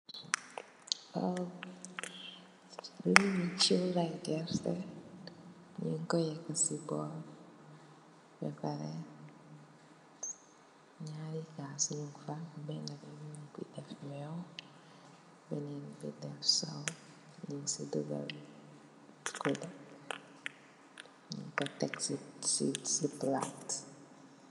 Am linee shuraygerteh nyu ko yeka ci bowl ba pareh naari cass nyu fa benen bi mogi def meaw benen bi def sowe nyu si dugal kudu nyun ko tek si palat.